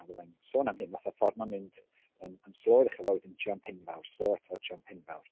A fydda i'n sôn am hyn fatha ffordd ma'n mynd yn yn slo i ddechrau efo wedyn jymp enfawr. Slo eto, jymp enfawr.